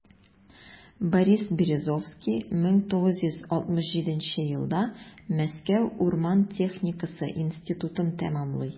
Борис Березовский 1967 елда Мәскәү урман техникасы институтын тәмамлый.